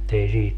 että ei siihen